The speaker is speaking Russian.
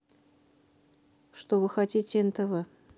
что вы хотите нтв